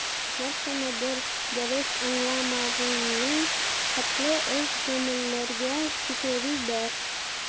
Нәрсәнедер дөрес аңламавыңның хаталы эш-гамәлләргә китерүе бар.